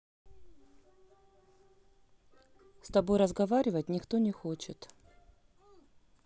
с тобой разговаривать никто не хочет